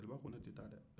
jeliba ko ne tɛ taa dɛɛ